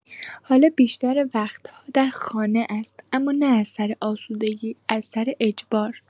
حالا بیشتر وقت‌ها در خانه است، اما نه از سر آسودگی، از سر اجبار.